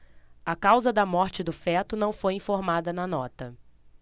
a causa da morte do feto não foi informada na nota